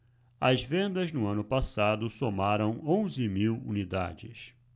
as vendas no ano passado somaram onze mil unidades